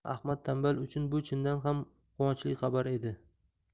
ahmad tanbal uchun bu chindan ham quvonchli xabar edi